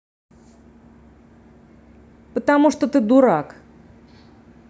потому что ты дурак